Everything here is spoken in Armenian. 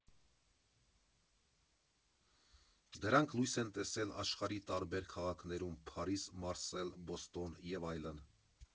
Դրանք լույս են տեսել աշխարհի տարբեր քաղաքներում՝ Փարիզ, Մարսել, Բոստոն և այլն։